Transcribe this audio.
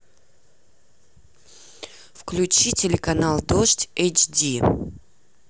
включи телеканал дождь эйчди